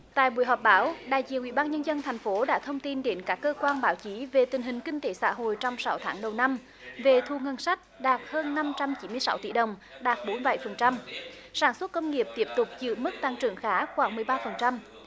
tại buổi họp báo đại diện ủy ban nhân dân thành phố đã thông tin đến các cơ quan báo chí về tình hình kinh tế xã hội trong sáu tháng đầu năm về thu ngân sách đạt hơn năm trăm chín mươi sáu tỷ đồng đạt bốn bảy phần trăm sản xuất công nghiệp tiếp tục giữ mức tăng trưởng khá khoảng mười ba phần trăm